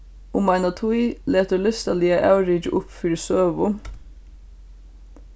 um eina tíð letur listaliga avrikið upp fyri søgu